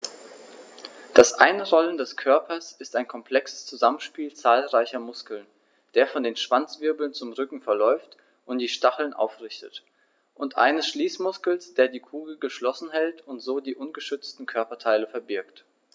Das Einrollen des Körpers ist ein komplexes Zusammenspiel zahlreicher Muskeln, der von den Schwanzwirbeln zum Rücken verläuft und die Stacheln aufrichtet, und eines Schließmuskels, der die Kugel geschlossen hält und so die ungeschützten Körperteile verbirgt.